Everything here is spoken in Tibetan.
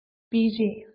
སྤེལ རེས